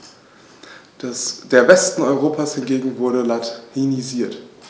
Der Westen Europas hingegen wurde latinisiert.